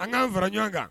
An k'an fara ɲɔgɔn kan